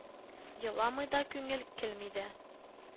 Еламый да күңел, көлми дә